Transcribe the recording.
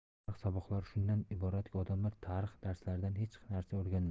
tarix saboqlari shundan iboratki odamlar tarix darslaridan hech narsa o'rganmaydi